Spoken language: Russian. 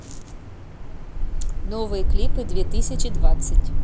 новые клипы две тысячи двадцать